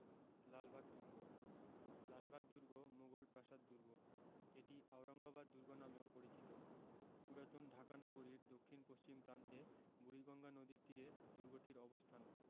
লালবাগ দুর্গ লালবাগ দুর্গ মুগল প্রাসাদ দুর্গ এটি আওরঙ্গাবাদ দুর্গ নামেও পরিচিত পুরাতন ঢাকা নগরীর দক্ষিণ পশ্চিম প্রান্তে বুড়িগঙ্গা নদীর তীরে দূর্গটির অবস্থান